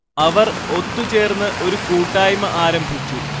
അവർ ഒത്തു ചേർന്ന് ഒരു കൂട്ടായ്മ ആരംഭിച്ചു